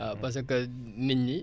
waaw parce que nit ñi